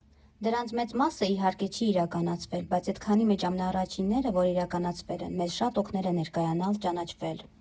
Դրանց մեծ մասը, իհարկե, չի իրականացվել, բայց էդքանի մեջ ամենաառաջինները, որ իրականացվել են, մեզ շատ օգնել են ներկայանալ, ճանաչվել։